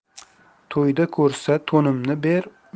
to'yda ko'rsa to'nimni ber